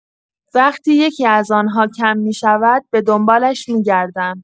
وقتی یکی‌از آن‌ها کم می‌شود، به‌دنبالش می‌گردم.